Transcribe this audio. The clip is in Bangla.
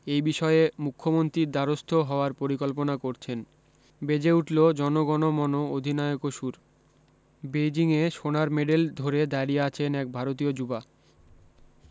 এই বিষয়ে মুখ্যমন্ত্রীর দ্বারস্থ হওয়ার পরিকল্পনা করছেন বেজে উঠল জন গন মন অধিনায়কর সুর বেজিংয়ে সোনার মেডেল ধরে দাঁড়িয়ে আছেন এক ভারতীয় যুবা